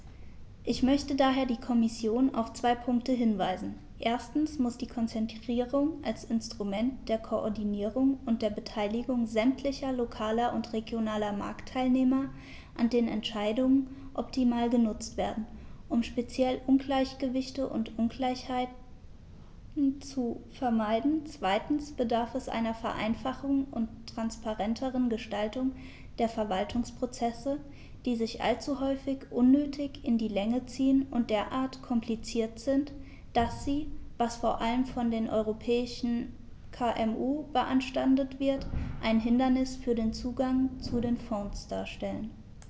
Ich möchte daher die Kommission auf zwei Punkte hinweisen: Erstens muss die Konzertierung als Instrument der Koordinierung und der Beteiligung sämtlicher lokaler und regionaler Marktteilnehmer an den Entscheidungen optimal genutzt werden, um speziell Ungleichgewichte und Ungleichheiten zu vermeiden; zweitens bedarf es einer Vereinfachung und transparenteren Gestaltung der Verwaltungsprozesse, die sich allzu häufig unnötig in die Länge ziehen und derart kompliziert sind, dass sie, was vor allem von den europäischen KMU beanstandet wird, ein Hindernis für den Zugang zu den Fonds darstellen.